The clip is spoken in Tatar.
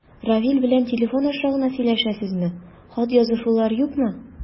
Равил белән телефон аша гына сөйләшәсезме, хат язышулар юкмы?